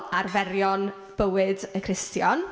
Arferion bywyd y Cristion.